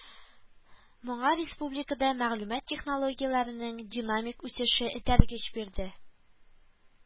Моңа республикада мәгълүмат технологияләренең динамик үсеше этәргеч бирде